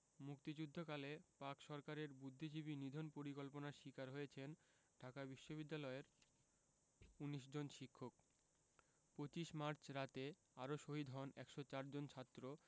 মুক্তিযুদ্ধকালে পাক সরকারের বুদ্ধিজীবী নিধন পরিকল্পনার শিকার হয়েছেন ঢাকা বিশ্ববিদ্যাপলয়ের ১৯ জন শিক্ষক ২৫ মার্চ রাতে আরো শহীদ হন ১০৪ জন ছাত্র